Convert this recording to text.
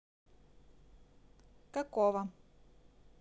какого